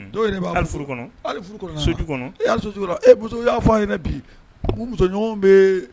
Dɔw yɛrɛ b' ali furu kɔnɔ ali e e i y'a fɔ' bi muso bɛ